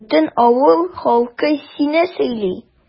Бөтен авыл халкы сине сөйли.